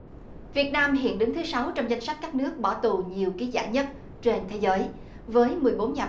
việt nam hiện đứng thứ sáu trong danh sách các nước bỏ tù nhiều ký giả nhất trên thế giới với mười bốn nhà